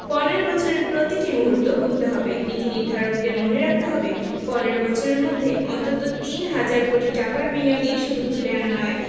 ১৫ বছরের প্রতিটি মুহূর্ত গুনতে হবে নীতিনির্ধারকদের মনে রাখতে হবে ১৫ বছরের মধ্যে অন্তত তিন হাজার কোটি টাকার বিনিয়োগই শুধু তুলে আনা নয়